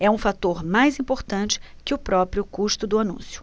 é um fator mais importante que o próprio custo do anúncio